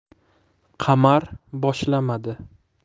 qamar boshlamadi